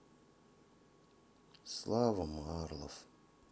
слава марлов